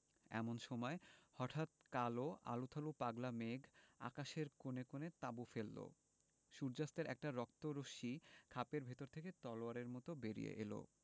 এমন সময় হঠাৎ কাল আলুথালু পাগলা মেঘ আকাশের কোণে কোণে তাঁবু ফেললো সূর্য্যাস্তের একটা রক্ত রশ্মি খাপের ভেতর থেকে তলোয়ারের মত বেরিয়ে এল